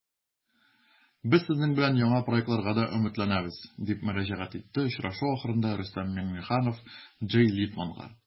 Без сезнең белән яңа проектларга да өметләнәбез, - дип мөрәҗәгать итте очрашу ахырында Рөстәм Миңнеханов Джей Литманга.